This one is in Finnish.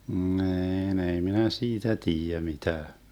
niin ei minä siitä tiedä mitään